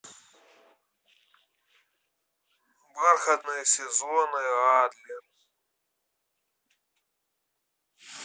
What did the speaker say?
бархатные сезоны адлер